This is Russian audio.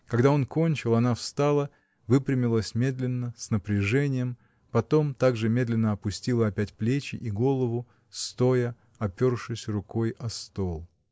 Когда он кончил, она встала, выпрямилась медленно, с напряжением, потом так же медленно опустила опять плечи и голову, стоя, опершись рукой о стол.